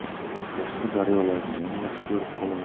boshqa daryolarniyam yaxshi ko'rib qolaman